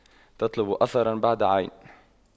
تطلب أثراً بعد عين